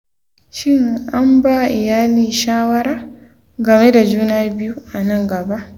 shin an ba iyali shawarwari game da juna biyu a nan gaba?